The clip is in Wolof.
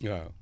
waaw